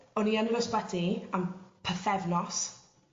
O'n i yn yr ysbyty am pythefnos